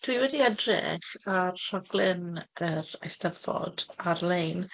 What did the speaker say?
Dwi wedi edrych ar rhaglen yr Eisteddfod ar-lein.